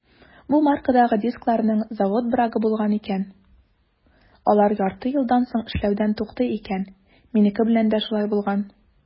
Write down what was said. Бу маркадагы дискларның завод брагы булган икән - алар ярты елдан соң эшләүдән туктый икән; минеке белән дә шулай булган.